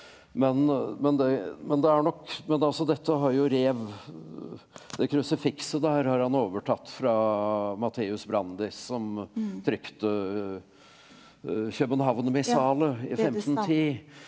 men men det men det er nok men altså dette har jo Rev det er krusifikset der har han overtatt fra Matthæus Brandis som trykte København-missale i femtenti.